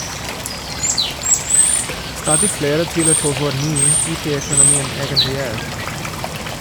Stadig flere tviler på hvor "ny" IT-økonomien egentlig er.